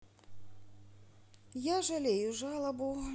я жалею жалобу